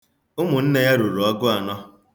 Umunne ya ruru ọgụanọ.